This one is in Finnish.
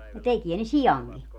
no tekee ne siankin